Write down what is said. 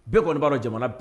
Bɛɛ kɔni'a dɔn jamana